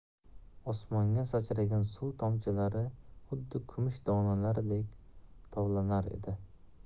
osmonga sachragan suv tomchilari xuddi kumush donalaridek tovlanar edi